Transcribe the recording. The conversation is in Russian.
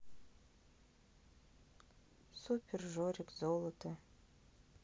супержорик золото